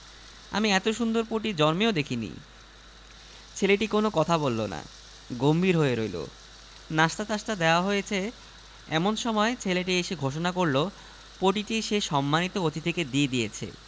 ততক্ষনে সভাপতি হাত বাড়িয়েছেন মেয়েটি হাত নামিয়ে ফেলেছে দেখে তিনিও ঈষৎ লাল হয়ে হাত নামালেন ইতিমধ্যে মেয়েটি হাত বাড়িয়েছে